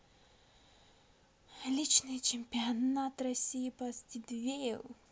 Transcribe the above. личный чемпионат россии по спидвею